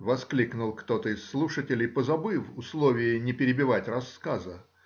— воскликнул кто-то из слушателей, позабыв условие не перебивать рассказа